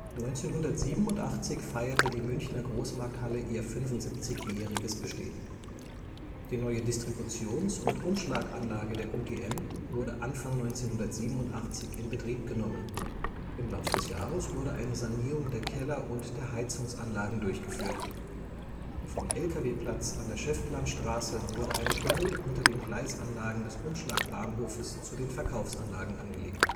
1987 feierte die Münchner Großmarkthalle ihr 75-jähriges Bestehen. Die neue Distributions - und Umschlaganlage der UGM wurde Anfang 1987 in Betrieb genommen, im Lauf des Jahres wurde eine Sanierung der Keller und der Heizungsanlagen durchgeführt. Vom LKW-Platz an der Schäftlarnstraße wurde ein Tunnel unter den Gleisanlagen des Umschlagbahnhofes zu den Verkaufsanlagen angelegt